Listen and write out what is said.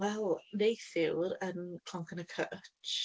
Wel, neithiwr yn Clonc yn y Cwtsh.